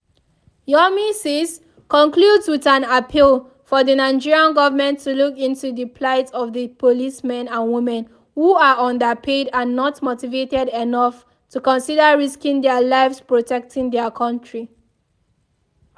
Yomi Says concludes with an appeal for the Nigerian government to look into the plight of the police men and women who are underpaid and not motivated enough to consider risking their lives protecting their country.